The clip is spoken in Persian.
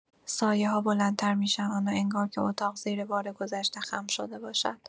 سایه‌‌ها بلندتر می‌شوند و انگار که اتاق زیر بار گذشته خم شده باشد.